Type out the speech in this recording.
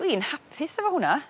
Dwi'n hapus efo hwnna.